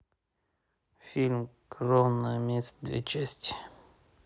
фильм кровная месть все части